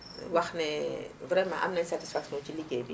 wax ne vraiment am nañu satisfaction ci liggéey bi